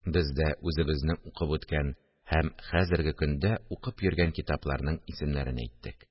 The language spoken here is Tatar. Без дә үзебезнең укып үткән һәм хәзерге көндә укып йөргән китапларның исемнәрен әйттек